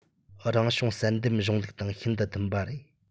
རང བྱུང བསལ འདེམས གཞུང ལུགས དང ཤིན ཏུ མཐུན པ རེད